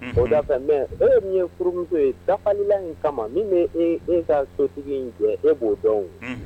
O da mɛ dɔw ye min ye furumuso ye dafala kama min bɛ e e ka sotigi in jɛ e b'o dɔn